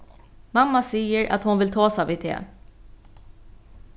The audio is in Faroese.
mamma sigur at hon vil tosa við teg